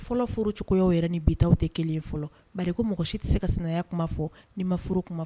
Fɔlɔorocogow yɛrɛ ni bita tɛ kelen fɔlɔ bali ko mɔgɔ si tɛ se ka sɛnɛya kuma fɔ ni ma